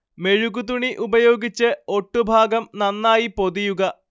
മെഴുകു തുണി ഉപയോഗിച്ച് ഒട്ടു ഭാഗം നന്നായി പൊതിയുക